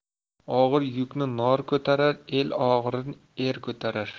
og'ir yukni nor ko'tarar el og'irin er ko'tarar